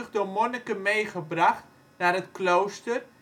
door monniken meegebracht naar het klooster